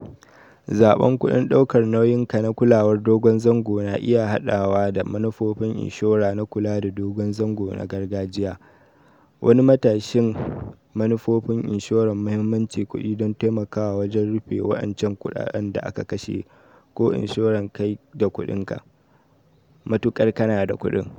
Zaɓen kuɗin daukar nauyin ka na kulawar dogon zangona iya haɗawa da manufofin inshora na kula da dogon zango na gargajiya, wani matashin manufofin inshoran muhimmancin kudi don taimakawa wajen rufe wadancan kudaden da aka kashe ko inshoran kai da kudin ka -matukar kanada kudin.